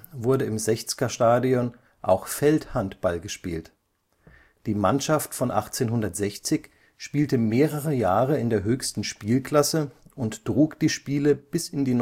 wurde im Sechzgerstadion auch Feldhandball gespielt. Die Mannschaft von 1860 spielte mehrere Jahre in der höchsten Spielklasse und trug die Spiele bis in die